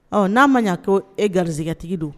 Ɔ n'a ma'a to e garizegɛtigi don